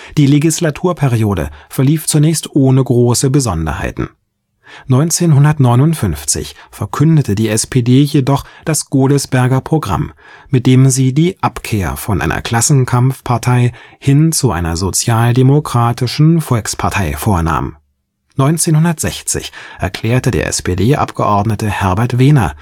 Die Legislaturperiode verlief zunächst ohne große Besonderheiten. 1959 verkündete die SPD jedoch das Godesberger Programm, mit dem sie die Abkehr von einer Klassenkampfpartei hin zu einer sozialdemokratischen Volkspartei vornahm. 1960 erklärte der SPD-Abgeordnete Herbert Wehner